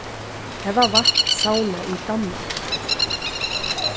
har varð vatn savnað í dammar